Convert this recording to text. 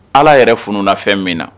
Ala yɛrɛ fununafɛn min na